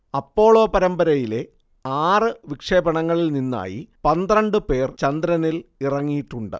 Apollo പരമ്പരയിലെ ആറ് വിക്ഷേപണങ്ങളിൽ നിന്നായി പന്ത്രണ്ട് പേർ ചന്ദ്രനിൽ ഇറങ്ങിയിട്ടുണ്ട്